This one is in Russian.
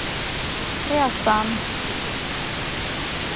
kreosan